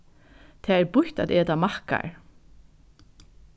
tað er býtt at eta maðkar